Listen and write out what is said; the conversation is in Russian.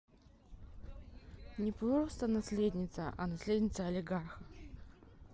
не просто наследница а наследница олигарха